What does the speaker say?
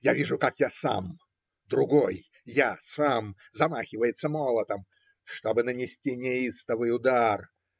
Я вижу, как я сам, другой я сам, замахивается молотом, чтобы нанести неистовый удар.